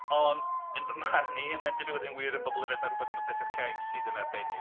Ond yn fy marn i, a mae'n debyg bod hyn yn wir am bobl eraill, mae rhywbeth am y bedair cainc sydd yn arbennig.